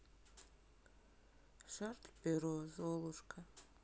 шарль перо золушка